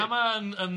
A ma'n yn,